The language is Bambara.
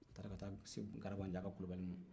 a taara ka taa se segu garanbajaka kulibali ma